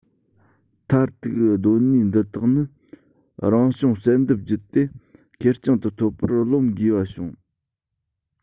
མཐར ཐུག གདོད ནུས འདི དག ནི རང བྱུང བསལ འདེམས བརྒྱུད དེ ཁེར རྐྱང དུ ཐོབ པར རློམ དགོས པ བྱུང